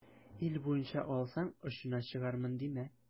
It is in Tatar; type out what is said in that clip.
Ил буенча алсаң, очына чыгармын димә.